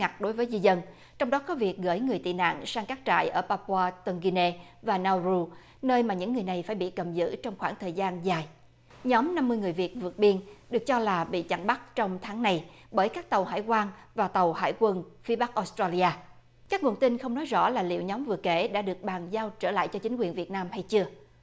ngặt đối với di dân trong đó có việc gửi người tị nạn sang các trại ở ba qua tưng ghi nê và na ru nơi mà những người này phải bị cầm giữ trong khoảng thời gian dài nhóm năm mươi người việt vượt biên được cho là bị chặn bắt trong tháng này bởi các tàu hải quan và tàu hải quân phía bắc ót tro li a các nguồn tin không nói rõ là liệu nhóm vừa kể đã được bàn giao trở lại cho chính quyền việt nam hay chưa